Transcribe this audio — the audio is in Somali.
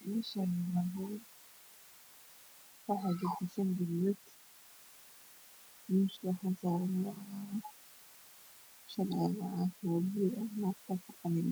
Halkan waa fadhiyo shan gabdhod dharka eey watan waa baluug iyo cades